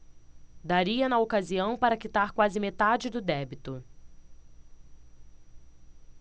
daria na ocasião para quitar quase metade do débito